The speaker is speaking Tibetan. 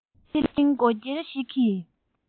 ཕྱི གླིང མགོ སེར ཞིག གིས